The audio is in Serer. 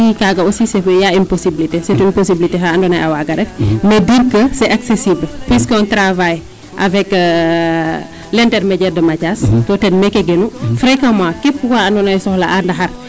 II kaaga aussi c' est pas une possiblité c' est une possiblité fa andoona yee a waaga ref mais dire que s' est accessible puis qu' on :fdra travaille avec l' intermédiare de Mathiase to ten meeke genu fréquement kep oxa andoona yee soxla'a ndaxar.